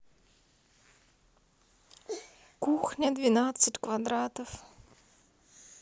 кухня двенадцать квадратов